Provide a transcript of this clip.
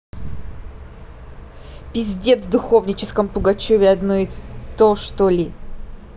пиздец духовническом пугачеве одно и то что ли